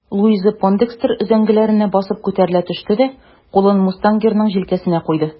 Луиза Пойндекстер өзәңгеләренә басып күтәрелә төште дә кулын мустангерның җилкәсенә куйды.